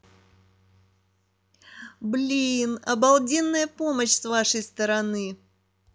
блин обалденная помощь с вашей стороны